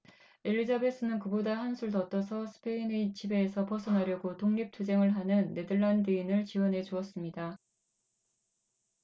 엘리자베스는 그보다 한술 더 떠서 스페인의 지배에서 벗어나려고 독립 투쟁을 하는 네덜란드인들을 지원해 주었습니다